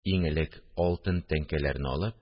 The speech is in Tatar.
Иң элек алтын тәңкәләрне алып